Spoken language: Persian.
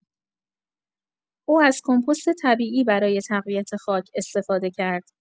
او از کمپوست طبیعی برای تقویت خاک استفاده کرد.